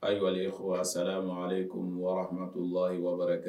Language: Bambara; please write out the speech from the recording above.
Ayiwaalehsa ma aleale ko waratumatu wɛrɛ kɛ